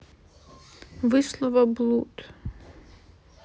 вышла во блуд